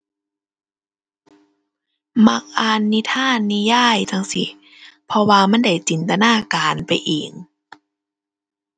มักอ่านนิทาน นิยายจั่งซี้ เพราะว่ามันได้จินตนาการไปเอง